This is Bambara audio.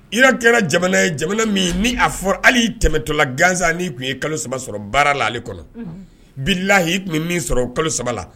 I kɛra jamana ye jamana min ni a fɔra hali tɛmɛtɔla gansan tun ye kalo saba sɔrɔ baara la ale kɔnɔ bilahi tun min sɔrɔ o kalo saba la